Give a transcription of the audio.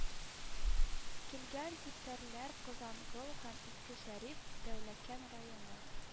Килгән типтәрләр казангол һәм иске шәрип дәүләкән районы